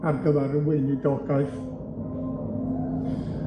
ar gyfar y weinidogaeth.